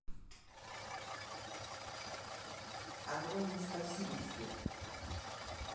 огромное спасибо тебе